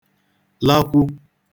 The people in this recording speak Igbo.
lakwu